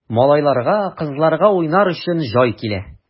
Малайларга, кызларга уйнар өчен җай килә!